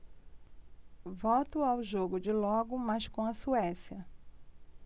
volto ao jogo de logo mais com a suécia